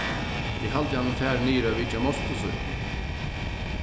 eg haldi at hann er farin niður at vitja mostir sína